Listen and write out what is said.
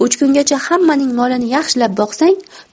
uch kungacha hammaning molini yaxshilab boqsang